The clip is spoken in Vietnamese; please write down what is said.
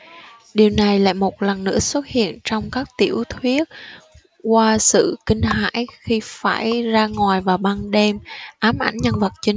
điều này lại một lần nữa xuất hiện trong các tiểu thuyết qua sự kinh hãi khi phải ra ngoài vào ban đêm ám ảnh nhân vật chính